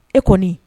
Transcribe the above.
E kɔni